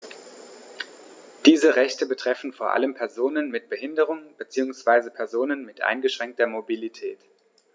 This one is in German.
Diese Rechte betreffen vor allem Personen mit Behinderung beziehungsweise Personen mit eingeschränkter Mobilität.